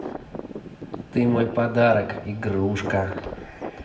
ты мой подарок игрушка